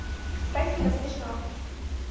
спасибо смешно